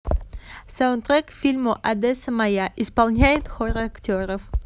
саундтрек к фильму одесса моя исполняет хор актеров